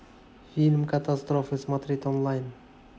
фильмы катастрофы смотреть онлайн